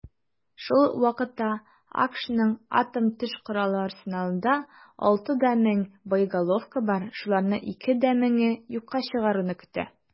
Шул ук вакытта АКШның атом төш коралы арсеналында 6,8 мең боеголовка бар, шуларны 2,8 меңе юкка чыгаруны көтә.